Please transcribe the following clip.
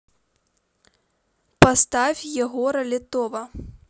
поставь егора летова